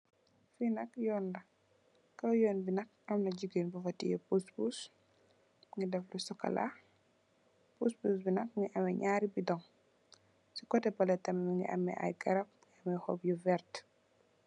finak yoon la kaw yoon bi nak amna jigeen bufa tee pus pus mungi def lu sokola pus pus bi nak mungi ameh nyaari bidong ci koteh beleh tam mungi ameh ay garap ay hop yu veert